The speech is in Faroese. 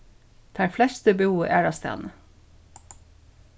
teir flestu búðu aðrastaðni